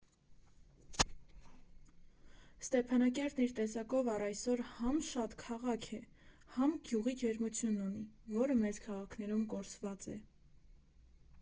Ստեփանակերտն իր տեսակով առ այսօր հա՛մ շատ քաղաք է, հա՛մ գյուղի ջերմությունն ունի, որը մեծ քաղաքներում կորսված է.